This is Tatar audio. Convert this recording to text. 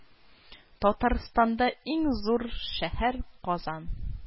Татарстанда иң зур шәһәр Казан